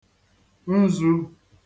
nzū